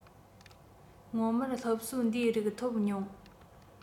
སྔོན མར སློབ གསོ འདིའི རིགས འཐོབ མྱོང